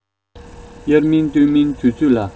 དབྱར མིན སྟོན མིན དུས ཚོད ལ